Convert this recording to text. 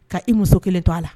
Ka i muso kelen to a la